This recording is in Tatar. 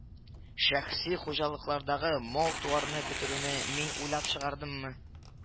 Шәхси хуҗалыклардагы мал-туарны бетерүне мин уйлап чыгардыммы